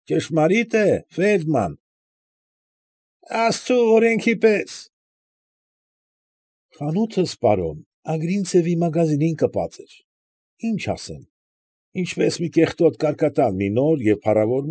Ճշմարի՞տ է, Ֆեյլդման։ ֊ Աստծու օրենքի պես։ ֊ Խանութս պարոն Ագրինցևի մագազինին կպած էր, ի՞նչ ասեմ, ինչպես մի կեղտոտ կարկատան մի նոր և փառավոր։